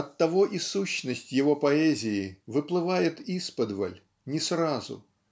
Оттого и сущность его поэзии выплывает исподволь, не сразу